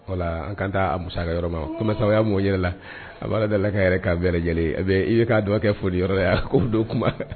Wala an ka taa a musaka yɔrɔ ma kosaya maaw yɛrɛ la a b'a dalala ka yɛrɛ k'a bɛɛ lajɛlen a bɛ i bɛ'a dɔgɔ kɛ foli yɔrɔ la yan ko don kuma